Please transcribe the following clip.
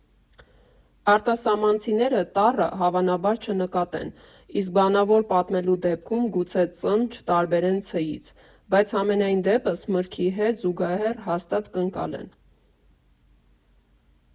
Արտասահմանցիները տառը, հավանաբար, չնկատեն (իսկ բանավոր պատմելու դեպքում գուցե Ծ֊ն չտարբերեն Ց֊ից), բայց համենայն դեպս մրգի հետ զուգահեռը հաստատ կընկալեն։